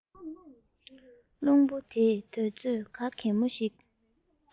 རླུང བུ དེས དུས ཚོད ག གེ མོ ཞིག